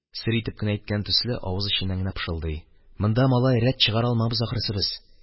Сер итеп кенә әйткән төсле, авыз эченнән генә пышылдый: – Монда, малай, рәт чыгара алмабыз, ахрысы, без.